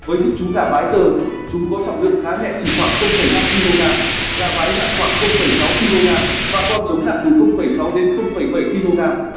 với những chú gà mái tơ chúng có trọng lượng khá nhẹ chỉ khoảng kg gà mái nặng khoảng kg và con trống nặng từ kg